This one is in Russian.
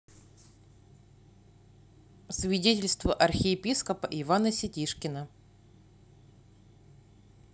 свидетельство архиепископа ивана сетишкина